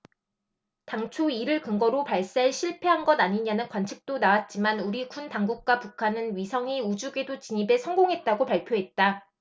당초 이를 근거로 발사에 실패한 것 아니냐는 관측도 나왔지만 우리 군 당국과 북한은 위성이 우주궤도 진입에 성공했다고 발표했다